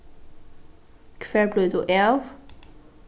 hvar blívur tú av